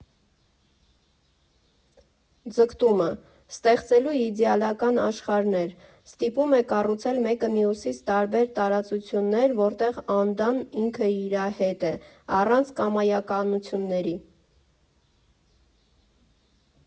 Ձգտումը՝ ստեղծելու իդեալական աշխարհներ, ստիպում է կառուցել մեկը մյուսից տարբեր տարածություններ, որտեղ Անդան ինքն իր հետ է՝ առանց կամայականությունների։